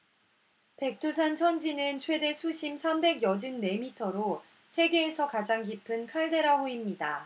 백두산 천지는 최대 수심 삼백 여든 네 미터로 세계에서 가장 깊은 칼데라 호입니다